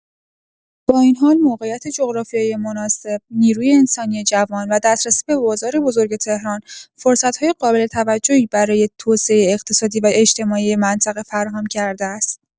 با این حال، موقعیت جغرافیایی مناسب، نیروی انسانی جوان و دسترسی به بازار بزرگ تهران، فرصت‌های قابل توجهی برای توسعه اقتصادی و اجتماعی منطقه فراهم کرده است.